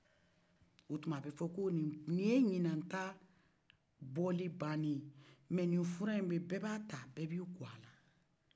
o tuman a bɛfɔ ko ni ye ɲina ta bɔli bane ye mɛ ni fura ɲi bɛyi bɛ b'a taa bɛɛ ba'a k'ala